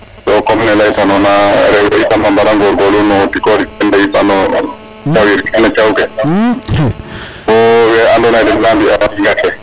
yam comme ne leyta nona rewe tamit a mbara ngongorlu no tikorike de yipa no caw ke fo we ando naye dena mbiya no